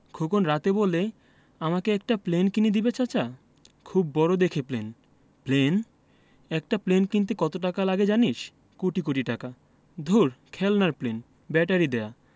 খোকন রাতে বলে আমাকে একটা প্লেন কিনে দিবে চাচা খুব বড় দেখে প্লেন প্লেন একটা প্লেন কিনতে কত টাকা লাগে জানিস কোটি কোটি টাকা দূর খেলনার প্লেন ব্যাটারি দেয়া